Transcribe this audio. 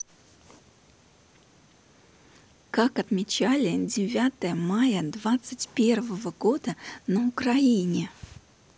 как отмечали девятое мая двадцать первого года на украине